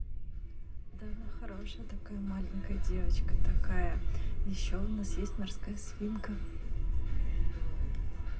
да она хорошая такая маленькая девочка такая еще у нас есть морская свинка